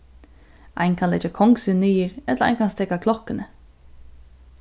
ein kann leggja kong sín niður ella ein kann steðga klokkuni